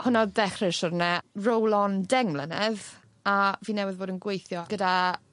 Honno odd ddechre'r siwrne. Roll on deng mlynedd a fi newydd fod yn gweithio gyda